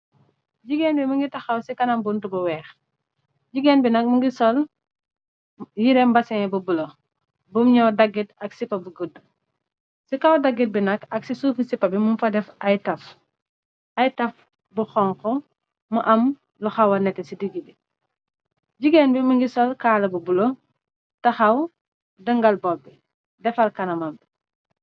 Jigeen bi mi ngi taxaw ci kanam buntu bu weex, jigéen bi nak mi ngi sol yireem mbasine bu bula, bum ñëw daggit ak sipa bu guddu, ci kaw daggit bi nak ak ci suufi sipa bi mum fa def ay taf, ay taf bu xonxa mu am lu xawa nete ci digi bi, jigeen bi mi ngi sol kaala bu bula, taxaw dëngal bob bi defar kanamam bi.